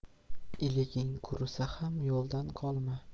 iliging qurisa ham yo'ldan qolma